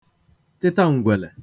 tịtaǹgwèlè